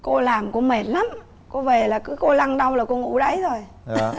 cô làm cô mệt lắm cô về là cô cứ lăn đâu là cô ngủ đấy rồi